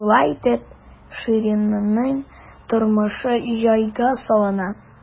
Шулай итеп, Ширинның тормышы җайга салына.